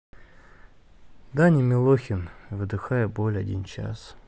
даня милохин выдыхаю боль один час